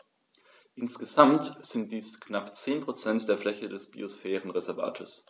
Insgesamt sind dies knapp 10 % der Fläche des Biosphärenreservates.